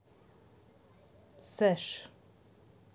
sash